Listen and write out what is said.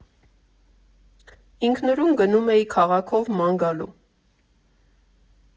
Ինքնուրույն գնում էի քաղաքով ման գալու։